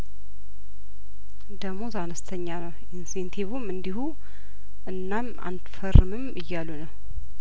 ደሞዝ አነስተኛ ነው ኢንሴንቲቩም እንዲሁ እናም አንፈርምም እያሉ ነው